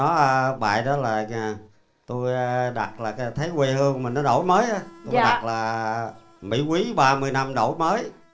đó bài đó là tôi đặt là thấy quê hương mình nó đổi mới thôi tôi đặt là mỹ quý ba mươi năm đổi mới